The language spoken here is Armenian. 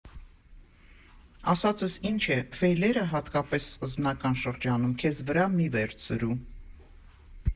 Ասածս ինչ է, ֆեյլերը, հատկապես սկզբնական շրջանում, քեզ վրա մի վերցրու։